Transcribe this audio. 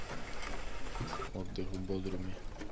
отдых в бодруме